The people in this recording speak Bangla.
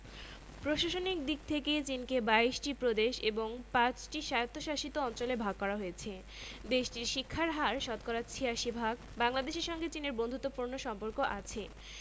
শিল্প ও বানিজ্য ক্ষেত্রে চীনের সাথে আমাদের সহযোগিতার সম্পর্কও রয়েছে